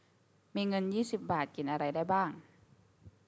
มีเงินยี่สิบบาทกินอะไรได้บ้าง